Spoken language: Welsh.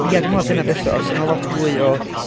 ia dwi'n meddwl dyna bysa, os odd 'na lot fwy o...